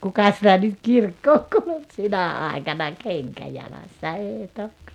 kuka sitä nyt kirkkoon kulki sinä aikana kenkä jalassa ei toki